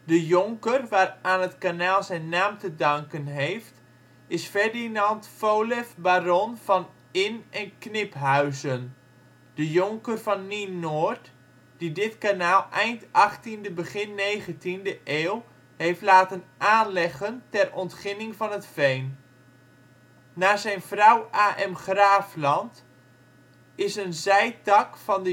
jonker waaraan het kanaal zijn naam te danken heeft is Ferdinand Folef baron van In - en Kniphuizen, de jonker van Nienoord, die dit kanaal eind 18e, begin 19e eeuw heeft laten aanlegen ter ontginning van het veen. Naar zijn vrouw A.M. Graafland is een zijtak van